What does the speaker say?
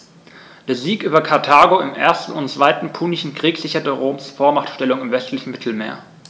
Der Sieg über Karthago im 1. und 2. Punischen Krieg sicherte Roms Vormachtstellung im westlichen Mittelmeer.